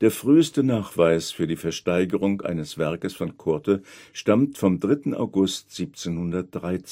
früheste Nachweis für die Versteigerung eine Werkes von Coorte stammt vom 3 August 1713